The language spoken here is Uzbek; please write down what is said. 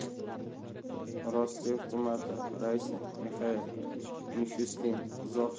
rossiya hukumati raisi mixail mishustin uzoq sharqdagi